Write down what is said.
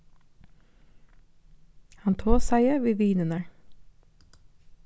hann tosaði við vinirnar